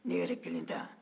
ne yɛrɛ kelen ta